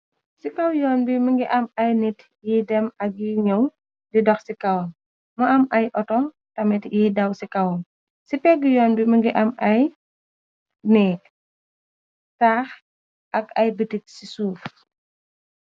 Ci kaw yuun bi mogi am ay nit yuy dem ak yuy ñëw di dox ci kawam mu am ay auto tamit yuy daw ci kawam ci pégg yoon bi mogi am ay néeg taax ak ay bitik ci suuf.